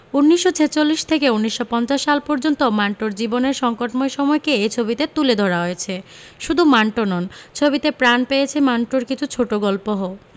১৯৪৬ থেকে ১৯৫০ সাল পর্যন্ত মান্টোর জীবনের সংকটময় সময়কে এ ছবিতে তুলে ধরা হয়েছে শুধু মান্টো নন ছবিতে প্রাণ পেয়েছে মান্টোর কিছু ছোটগল্পহো